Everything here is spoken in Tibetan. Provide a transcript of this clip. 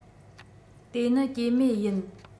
དེ ནི སྐྱེད མེད ཡིན